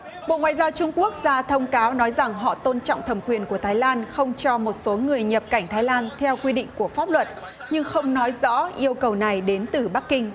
bộ ngoại giao trung quốc ra thông cáo nói rằng họ tôn trọng thẩm quyền của thái lan không cho một số người nhập cảnh thái lan theo quy định của pháp luật nhưng không nói rõ yêu cầu này đến từ bắc kinh